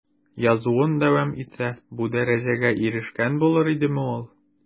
Язуын дәвам итсә, бу дәрәҗәгә ирешкән булыр идеме ул?